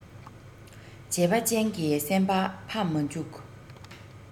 བྱས པ ཅན གྱི སེམས པ ཕམ མ འཇུག